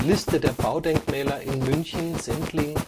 Liste der Baudenkmäler in München/Sendling